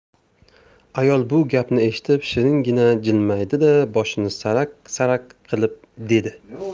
ayol bu gapni eshitib shiringina jilmaydi da boshini sarak sarak qilib dedi